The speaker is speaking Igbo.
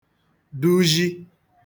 duzhi